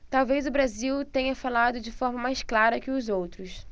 talvez o brasil tenha falado de forma mais clara que os outros